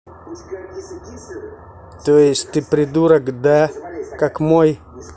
то есть ты придурок да как мой